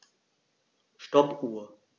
Stoppuhr.